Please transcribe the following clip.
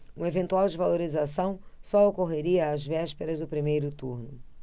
uma eventual desvalorização só ocorreria às vésperas do primeiro turno